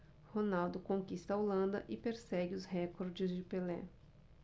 ronaldo conquista a holanda e persegue os recordes de pelé